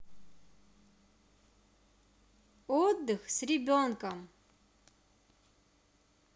отдых с ребенком